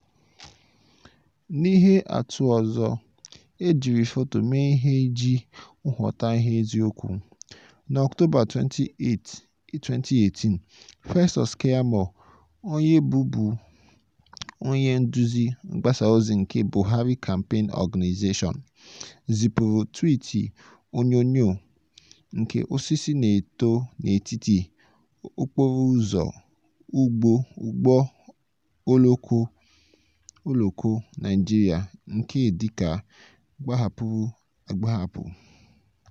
N'ihe atụ ọzọ, e jiri foto mee ihe iji ghọtahie eziokwu. Na Ọktoba 28, 2018, Festus Keyamo, onye bụbu onye nduzi mgbasa ozi nke Buhari Campaign Organisation, zipụrụ twiiti onyonyo (Foto nke 1) nke osisi na-eto n'etiti okporo ụzọ ụgbọ oloko Naịjirịa nke dịka a gbahapụrụ agbahapụ: